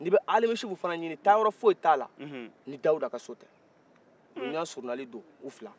nin bɛ alimusufu fana ɲinin taayɔrɔ fosi tala ni dawuda ka so tɛ